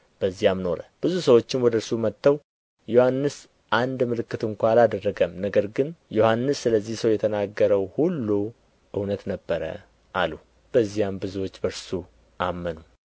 በዚያም ኖረ ብዙ ሰዎችም ወደ እርሱ መጥተው ዮሐንስ አንድ ምልክት ስንኳ አላደረገም ነገር ግን ዮሐንስ ስለዚህ ሰው የተናገረው ሁሉ እውነት ነበረ አሉ በዚያም ብዙዎች በእርሱ አመኑ